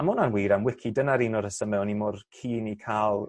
a ma' wnna'n wir am wici dyna'r un or resyme o'n i mor keen i ca'l